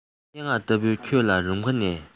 སྙན ངག ལྟ བུའི ཁྱོད ཀྱི རུམ ཁ ནས